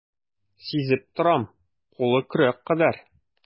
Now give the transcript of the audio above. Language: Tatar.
Сизеп торам, кулы көрәк кадәр.